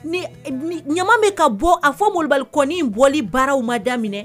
Ni ni ɲaman bɛ ka bɔ a fɔ mobalikɔnin bɔli baaraw ma daminɛ